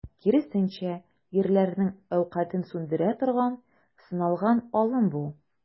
Киресенчә, ирләрнең әүкатен сүндерә торган, сыналган алым бу.